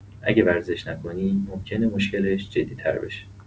اگه ورزش نکنی ممکنه مشکلش جدی‌تر بشه.